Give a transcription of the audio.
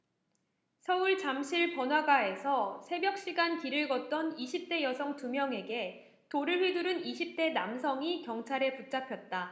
서울 잠실 번화가에서 새벽 시간 길을 걷던 이십 대 여성 두 명에게 돌을 휘두른 이십 대 남성이 경찰에 붙잡혔다